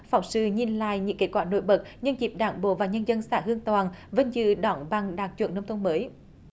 phóng sự nhìn lại những kết quả nổi bật nhân dịp đảng bộ và nhân dân xã hương toàn vinh dự đón bằng đạt chuẩn nông thôn mới